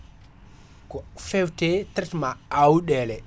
* ko fewte traitement awɗele